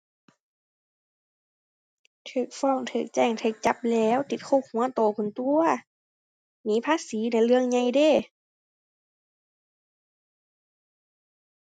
ถูกฟ้อง ถูกแจ้ง ถูกจับแหล้ว ติดคุกหัวโตพู้นตั่ว หนีภาษีน่ะเรื่องใหญ่เดะ